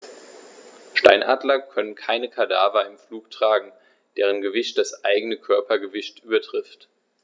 Steinadler können keine Kadaver im Flug tragen, deren Gewicht das eigene Körpergewicht übertrifft.